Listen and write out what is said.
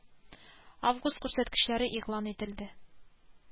Гөлзиләгә буйсынудан башка чара калмады.